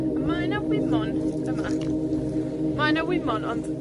A mae 'na wymon, yma, mae, 'na wymon, ond